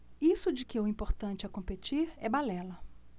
isso de que o importante é competir é balela